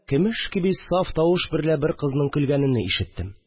Көмеш кеби саф тавыш берлә бер кызның көлгәнене ишеттем